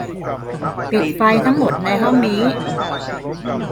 ปิดไฟทั้งหมดในห้องนี้